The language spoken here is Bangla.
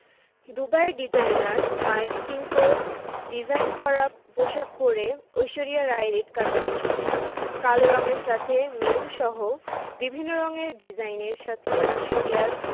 দুবাইয়ের ডিজাইনার মাইক সিঙ্কোর ডিজাইন করা পোশাক করে ঐশ্বরিয়া রাই রেড কার্পেটে এসেছেন কালো রঙের সাথে মেরুনসহ বিভিন্ন রঙের ডিজাইনের সাথে ঐশ্বরিয়ার